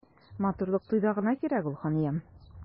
Матурлык туйда гына кирәк ул, ханиям.